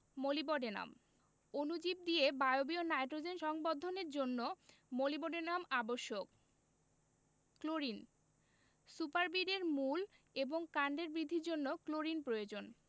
molybdenum অণুজীব দিয়ে বায়বীয় নাইট্রোজেন সংবন্ধনের জন্য মোলিবডেনাম আবশ্যক ক্লোরিন সুপারবিট এর মূল এবং কাণ্ডের বৃদ্ধির জন্য ক্লোরিন প্রয়োজন